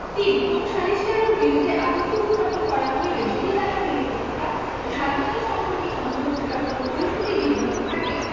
৩ কোন সালিসকারীর বিরুদ্ধে আপত্তি উত্থাপন করা যাইবে যদি তাহার নিরপেক্ষতা ও স্বাধীনতা সম্পর্কে সন্দেহ থাকার কোন পরিস্থিতি বিদ্যমান থাকে